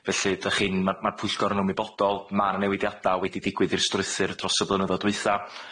Felly dach chi'n... Ma' ma'r pwyllgor yn ymwybodol ma' 'na newidiada' wedi digwydd i'r strwythur dros y blynyddodd dwytha.